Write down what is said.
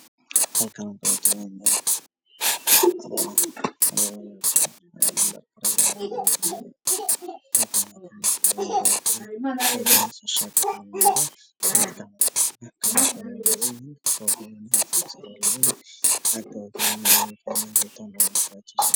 Mishaan waxay aalo shaati cusub oo midabkiisu yahay cad caddeyska korkiisana cadaan yahay